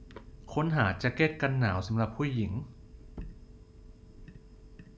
ค้นหาแจ๊กเก็ตกันหนาวสำหรับผู้หญิง